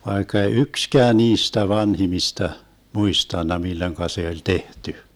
vaikka ei yksikään niistä vanhimmista muistanut milloin se oli tehty